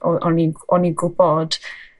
o' o'n i'n o'n i'n gwbod